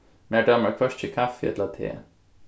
mær dámar hvørki kaffi ella te